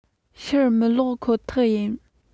ཕྱིར མི བསློག ཁོ ཐག ཡིན